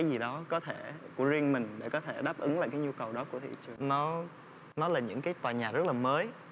cái gì đó có thể của riêng mình để có thể đáp ứng các nhu cầu đó nó nó là những cái tòa nhà rất là mới